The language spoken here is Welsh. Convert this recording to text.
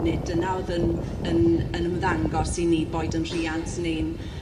Nid dyna o'dd yn yn yn ymddangos i ni boed yn rhiant ne'n